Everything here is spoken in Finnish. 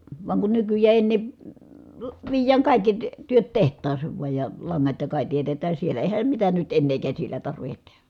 vaan kun nykyään ei enää viedään kaikki - työt tehtaaseen vain ja langat ja kaikki teetetään siellä eihän mitään nyt enää käsillä tarvitse tehdä